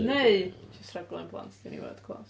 Neu jyst rhaglen blant ydy o eniwe ond class